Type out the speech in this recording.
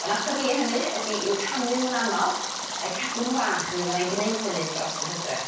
'Yn ateb i i hynny ydi i'w rhannu nw'n amal a'u cadw n'w fach a min fyddai'n gneud hynny dros yr Hydref.